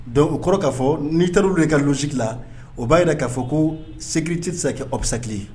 Donc o kɔrɔ k'a fɔ militaire de ka logique la o b'a jira k'a fɔ ko sécurité tɛ se ka kɛ obstacle ye.